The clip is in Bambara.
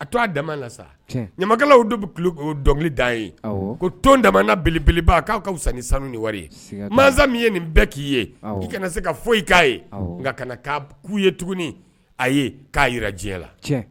A to a dama na sa, ɲamakalaw bɛ dɔnkili da a ye, ko to n damana belebeleba k'a ka fisa ni sanu ni wari ye, mansa min ye nin bɛɛ k'i ye, awɔ, kana se ka foyi k'a ye, awɔ, nka kana k'a ku ye tuguni a ye k'a jira diɲɛ na, tiɲɛ